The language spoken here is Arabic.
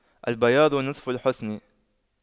البياض نصف الحسن